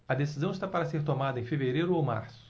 a decisão está para ser tomada em fevereiro ou março